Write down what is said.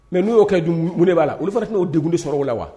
Mais n'u y'o kɛ mun de b'a la olu fana tɛ na o dugun de sɔrɔ o la wa.